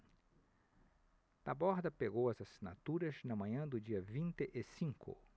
taborda pegou as assinaturas na manhã do dia vinte e cinco